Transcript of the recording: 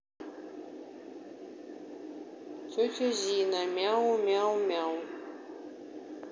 тетя зина мяу мяу мяу